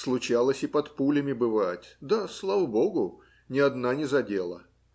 случалось и под пулями бывать, да, слава богу, ни одна не задела.